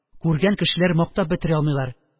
Күргән кешеләр мактап бетерә алмыйлар.